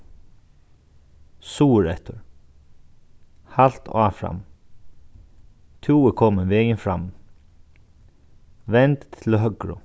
suðureftir halt áfram tú ert komin vegin fram vend til høgru